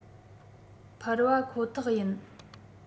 འཕར བ ཁོ ཐག ཡིན